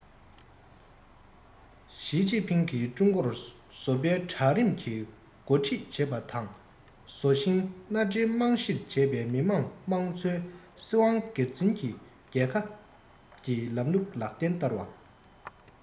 ཞིས ཅིན ཕིང གིས ཀྲུང གོར བཟོ པའི གྲལ རིམ གྱིས འགོ ཁྲིད བྱེད པ དང བཟོ ཞིང མནའ འབྲེལ རྨང གཞིར བྱས པའི མི དམངས དམངས གཙོའི སྲིད དབང སྒེར འཛིན གྱི རྒྱལ ཁབ ཀྱི ལམ ལུགས ལག ལེན བསྟར བ དང